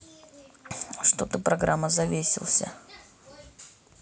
что ты программа завесился